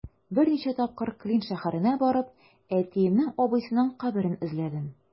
Берничә тапкыр Клин шәһәренә барып, әтиемнең абыйсының каберен эзләдем.